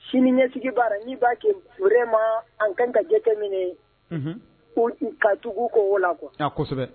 Siniɲɛsigi baara n'i b'a kɛ vraiment an kan k'a jajɛminɛ, unhun, ka dugu u kɔ o la quoi a kosɛbɛ